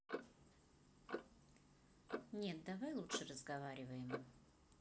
нет давай лучше разговариваем